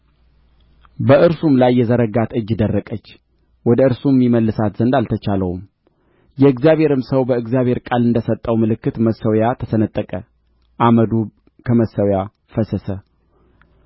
በእርሱም ላይ የዘረጋት እጅ ደረቀች ወደ እርሱም ይመልሳት ዘንድ አልተቻለውም የእግዚአብሔርም ሰው በእግዚአብሔር ቃል እንደ ሰጠው ምልክት መሠዊያው ተሰነጠቀ አመዱም ከመሠዊያው ፈሰሰ